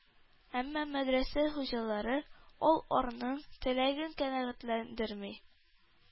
Әмма мәдрәсә хуҗалары ал арның теләген канәгатьләндерми.